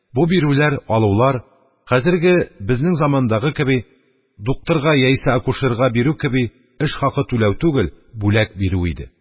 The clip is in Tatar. Бу бирүләр, алулар, хәзерге, безнең замандагы кеби, дуктырга яисә акушеркага бирү кеби эш хакы түләү түгел, бүләк бирү иде.